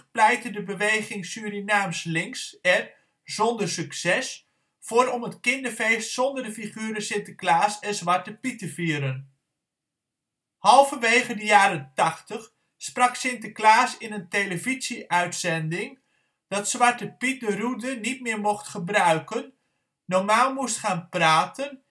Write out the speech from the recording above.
pleitte de Beweging Surinaams Links er (zonder succes) voor om het kinderfeest zonder de figuren Sinterklaas en Zwarte Piet te vieren. Halverwege de jaren tachtig sprak Sinterklaas in een televisie-uitzending dat Zwarte Piet de roede niet meer mocht gebruiken, normaal moest gaan praten